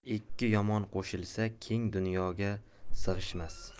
ikki yomon qo'shilsa keng dunyoga siyg'ishmas